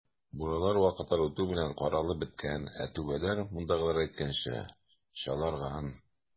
Буралар вакытлар үтү белән каралып беткән, ә түбәләр, мондагылар әйткәнчә, "чаларган".